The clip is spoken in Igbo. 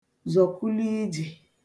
zọ̀kulie ijè